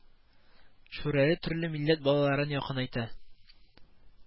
Шүрәле төрле милләт балаларын якынайта